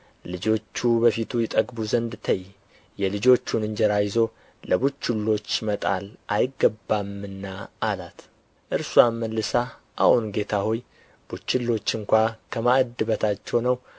ልጆቹ በፊት ይጠግቡ ዘንድ ተዪ የልጆቹን እንጀራ ይዞ ለቡችሎች መጣል አይገባምናአላት እርስዋም መልሳ አዎን ጌታ ሆይ ቡችሎች እንኳ ከማዕድ በታች ሆነው